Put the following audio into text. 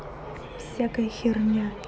всякая херня